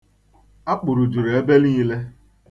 Akpụrụ juru ebe niile.